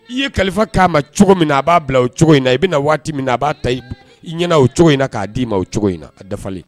I ye kalifa k'a ma cogo min na a b'a bila o cogo in na i bɛna na waati min na a b'a ta i i ɲɛna o cogo in na k'a d'i ma o cogo in na a dafale